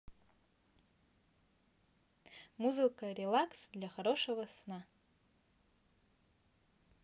музыка релакс для хорошего сна